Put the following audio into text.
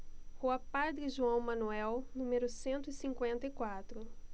rua padre joão manuel número cento e cinquenta e quatro